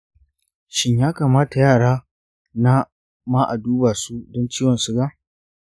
shin yakamata yara na ma a duba su don ciwon siga?